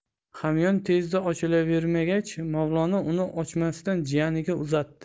hamyon tezda ochilavermagach mavlono uni ochmasdan jiyaniga uzatdi